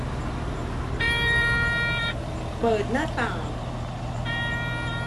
เปิดหน้าต่าง